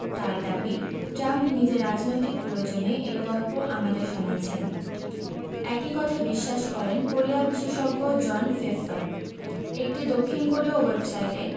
তাঁর দাবি ট্রাম্প নিজের রাজনৈতিক প্রয়োজনে এই গল্প আমাদের শোনাচ্ছেন একই কথা বিশ্বাস করেন কোরিয়া বিশেষজ্ঞ জন ফেফফার একটি দক্ষিণ কোরীয় ওয়েবসাইটে